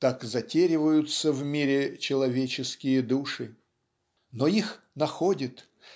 Так затериваются в мире человеческие души. Но их находит